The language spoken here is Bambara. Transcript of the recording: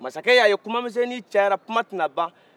masakɛ y'a ye kumanmisɛnnin cayara kuman tɛna ban